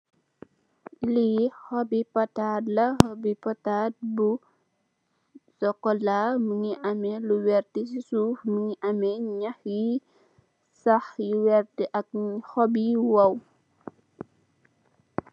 Le hopbi patat la.hopbi patat bu sokola mu ngi am lu verter mugi ameh nyher yu sas yu verter ak hopyi new.